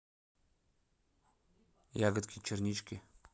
ягодки чернички